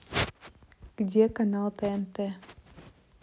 где канал тнт